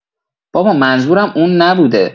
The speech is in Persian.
بابا منظورم اون نبوده